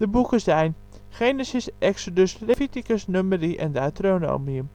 boeken zijn: Genesis, Exodus, Leviticus, Numeri en Deuteronomium